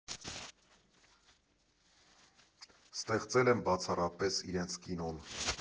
Ստեղծել են բացառապես իրենց կինոն։